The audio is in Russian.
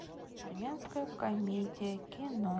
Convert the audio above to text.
армянская комедия кино